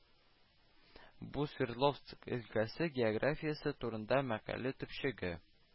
Бу Свердловск өлкәсе географиясе турында мәкалә төпчеге